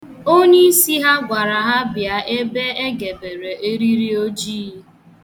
Onyeisi ha gwara ha bịa ebe egebere eriri ojii.